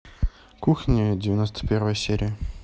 кухня девяносто первая серия